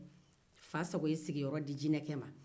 fasago ye sigiyorɔ di jinɛke ma